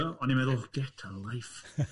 O'n i'n meddwl, get a life!